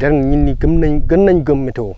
ren nit ñi gën nañ gën nañ gëm météo